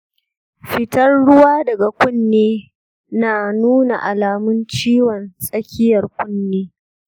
fitar ruwa daga kunne na nuna alamun ciwon tsakiyar kunne.